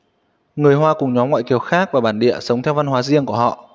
người hoa cùng các nhóm ngoại kiều khác và bản địa sống theo văn hóa riêng của họ